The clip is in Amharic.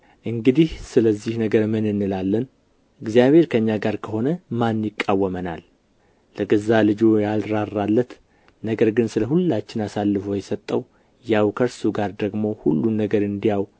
እንግዲህ ስለዚህ ነገር ምን እንላለን እግዚአብሔር ከእኛ ጋር ከሆነ ማን ይቃወመናል ለገዛ ልጁ ያልራራለት ነገር ግን ስለ ሁላችን አሳልፎ የሰጠው ያው ከእርሱ ጋር ደግሞ ሁሉን ነገር እንዲያው